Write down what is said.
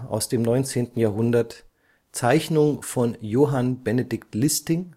18?? Zeichnung von Johann Benedict Listing